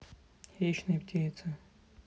хищные птицы